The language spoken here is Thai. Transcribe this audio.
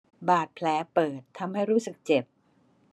บาลแผลเปิดทำให้รู้สึกเจ็บ